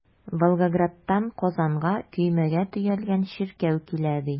Волгоградтан Казанга көймәгә төялгән чиркәү килә, ди.